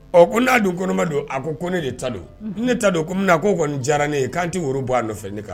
Ɔ ko n'a dun koma don a ko ko ne de ta don ne ta don kɔmi na ko kɔni diyara ne ye'an tɛ woro bɔ a nɔfɛ ne kan